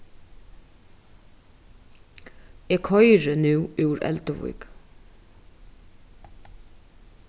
eg koyri nú úr elduvík